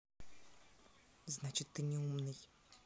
значит ты не умный